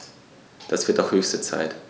Das wird auch höchste Zeit!